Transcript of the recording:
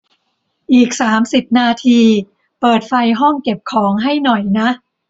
อีกสามสิบนาทีเปิดไฟห้องเก็บของให้หน่อยนะ